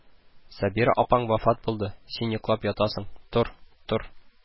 "сабира апаң вафат булды; син йоклап ятасың, тор, тор